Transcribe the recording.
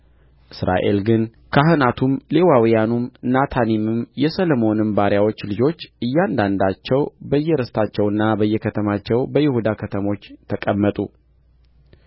እስራኤል ግን ካህናቱም ሌዋውያኑም ናታኒምም የሰሎሞንም ባሪያዎች ልጆች እያንዳንዳቸው በየርስታቸውና በየከተማቸው በይሁዳ ከተሞች ተቀመጡ